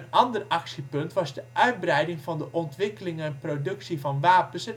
ander actiepunt was de uitbreiding van de ontwikkeling en productie van wapens